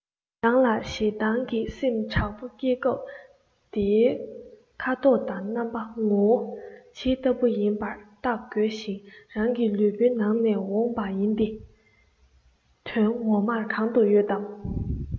རང ལ ཞེ སྡང གི སེམས དྲག པོ སྐྱེས སྐབས དེའི ཁ དོག དང རྣམ པ ངོ བོ ཇི ལྟ བུ ཡིན པར བརྟག དགོས ཤིང རང གི ལུས པོའི ནང ནས འོངས པ ཡིན དེ དོན ངོ མར གང དུ ཡོད དམ